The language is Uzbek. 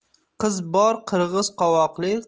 qiz bor qirg'iz qovoqli